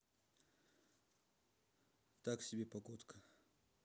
так себе погодка